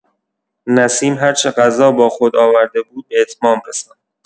نسیم هرچه غذا با خود آورده بود، به اتمام رساند.